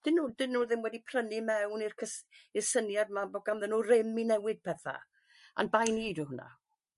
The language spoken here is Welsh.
'Dyn nw 'dyn nw ddim wedi prynu mewn i'r cys- i'r syniad ma' bo' ganddyn nw rym i newid petha a'n bai ni 'dyw hwnna.